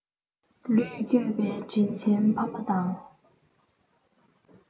ལུས བསྐྱེད པའི དྲིན ཆེན ཕ མ དང